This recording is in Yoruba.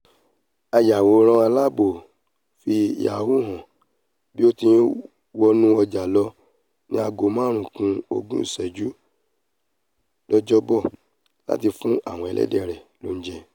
Ayawòrán aláàbò fi Yuan hàn bí ó ti ńwọnú ọjà lọ ní aago máàrún-ku-ogún ìsẹ́jú lọjọ 'Bọ̀ láti fún àwọn ẹlẹ́dẹ̀ rẹ̀ lóúnjẹ.